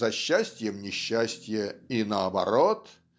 за счастьем несчастье и наоборот